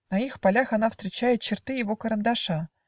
На их полях она встречает Черты его карандаша.